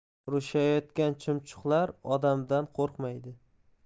urushayotgan chumchuqlar odamdan qo'rqmaydi